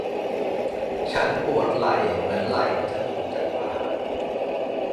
ฉันปวดไหล่เหมือนไหล่จะหลุดจากบ่า